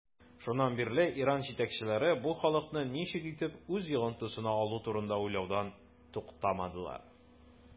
Шуннан бирле Иран җитәкчеләре бу халыкны ничек итеп үз йогынтысына алу турында уйлаудан туктамадылар.